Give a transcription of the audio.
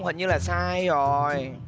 hình như là sai rồi